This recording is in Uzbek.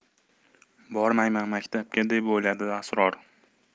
bormayman maktabga deb o'yladi asror